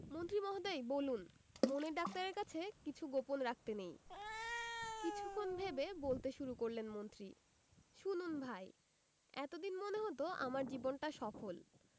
মন্ত্রী মহোদয় বলুন মনের ডাক্তারের কাছে কিছু গোপন রাখতে নেই কিছুক্ষণ ভেবে বলতে শুরু করলেন মন্ত্রী শুনুন ভাই এত দিন মনে হতো আমার জীবনটা সফল